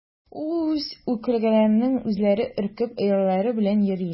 Үз күләгәләреннән үзләре өркеп, өерләре белән йөриләр.